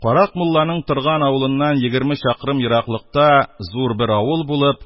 Карак мулланың торган авылыннан егерме чакрым ераклыкта зур бер авыл булып,